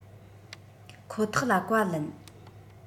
ཁོ ཐག ལ བཀའ ལན